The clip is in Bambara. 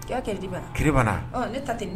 I di ma kiri ne ten